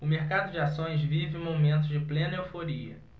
o mercado de ações vive momentos de plena euforia